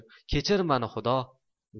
kechir mani xudo